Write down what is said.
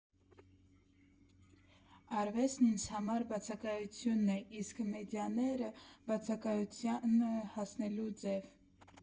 Արվեստն ինձ համար բացակայությունն է, իսկ մեդիաները՝ բացակայությանը հասնելու ձև։